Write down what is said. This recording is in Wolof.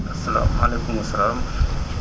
asalaam maaleykum salaam